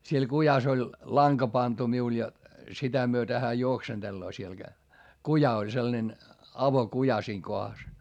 siellä kujassa oli lanka pantu minulla ja sitä myöten hän juoksentelee siellä - kuja oli sellainen avokuja siinä kohdassa